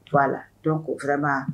Voilà donc vraiment